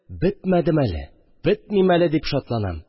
«бетмәдем әле, бетмим әле», – дип шатланам